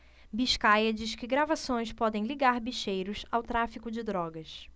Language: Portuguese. biscaia diz que gravações podem ligar bicheiros ao tráfico de drogas